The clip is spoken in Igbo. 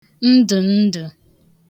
ndụ̀ndụ̀